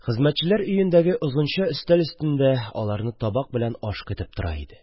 Хезмәтчеләр өендәге озынча өстәлдә аларны табак белән аш көтә иде.